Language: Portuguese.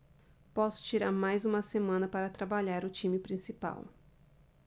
posso tirar mais uma semana para trabalhar o time principal